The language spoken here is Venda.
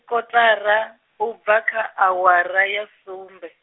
kotara, u bva kha awara ya sumbe.